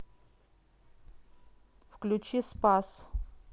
включи спас